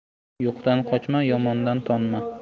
yo'qdan qochma yomondan tonma